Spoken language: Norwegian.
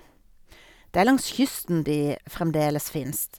Det er langs kysten de fremdeles fins.